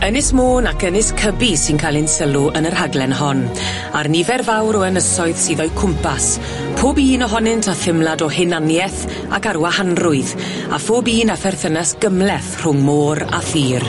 Ynys Môn ac Ynys Cybi sy'n ca'l ein sylw yn y rhaglen hon, a'r nifer fawr o ynysoedd sydd o'u cwmpas, pob un ohonynt â themlad o hunaniaeth ac arwahanrwydd, a phob un â pherthynas gymleth rhwng môr a thir.